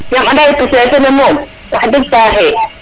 yaam anda ye poussiere fene moom wax deg faxe